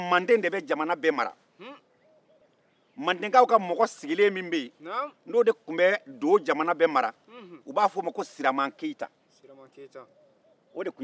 mandenkaw ka mɔgɔ sigilen min bɛ yen n'o de tun bɛ do jamana bɛɛ mara u b'a fo o ma ko siraman keyita siraman keyita o de tun ye masakɛba